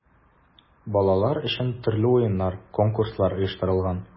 Балалар өчен төрле уеннар, конкурслар оештырылган.